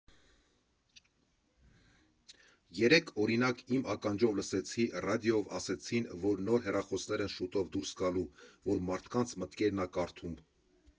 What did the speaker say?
Երեկ, օրինակ, իմ ականջով լսեցի՝ ռադիոյով ասեցին, որ նոր հեռախոսներ են շուտով դուրս գալու, որ մարդկանց մտքերն ա կարդում։